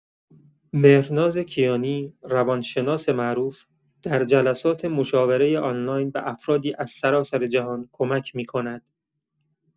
مهرناز کیانی، روان‌شناس معروف، در جلسات مشاوره آنلاین به افرادی از سرتاسر جهان کمک می‌کند.